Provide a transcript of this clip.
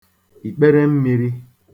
ìkperemmīrī